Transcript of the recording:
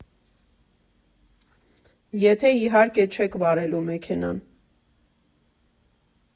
Եթե իհարկե չեք վարելու մեքենան։